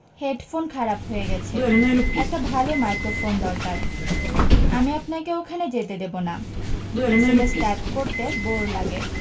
headphone খারাপ হয়ে গেছে একটা ভালো মাইক্রোফোন দরকার আমি আপনাকে ওখানে যেতে দেবো না এসএমএস টাইপ করতে বোর লাগে